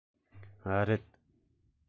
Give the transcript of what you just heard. རེད